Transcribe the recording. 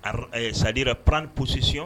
Ara sadira p psionɔn